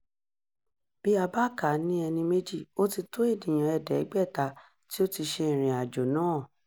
Bí a bá kà á ní ẹníméjì, ó ti tó ènìyàn 500 tí ó ti ṣe ìrìnàjò náà.